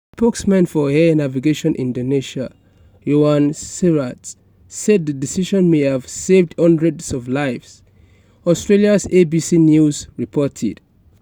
Spokesman for Air Navigation Indonesia, Yohannes Sirait, said the decision may have saved hundreds of lives, Australia's ABC News reported.